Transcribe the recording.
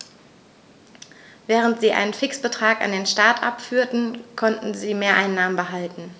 Während sie einen Fixbetrag an den Staat abführten, konnten sie Mehreinnahmen behalten.